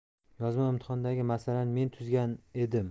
yozma imtihondagi masalani men tuzgan edim